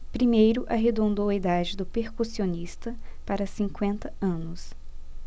primeiro arredondou a idade do percussionista para cinquenta anos